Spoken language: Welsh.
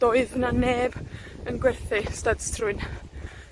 Doedd 'na neb yn gwerthu styds trwyn.